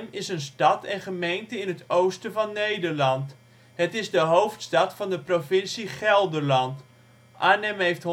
is een stad en gemeente in het oosten van Nederland. Het is de hoofdstad van de provincie Gelderland. Arnhem heeft